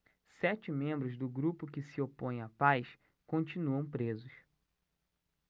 sete membros do grupo que se opõe à paz continuam presos